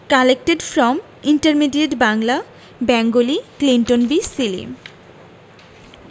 collected from intermediate Bangla Bengali Clinton B Seely